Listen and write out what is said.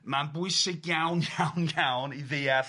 ...ma'n bwysig iawn iawn iawn i ddeall